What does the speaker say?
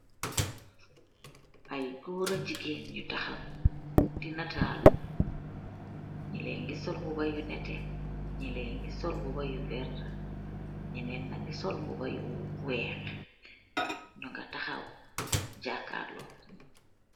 Aiy goor ak jigen yu takhaw, di natalu, nyele yangeh sol mbuba yu nete, nyele yangi sol mbuba yu verte, nyenen nyangi sol mbuba yu weakh. Nyunga takhaw, jaakarlo.